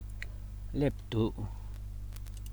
སླེབས འདུག